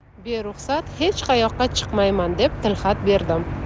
beruxsat hech qayoqqa chiqmayman deb tilxat berdim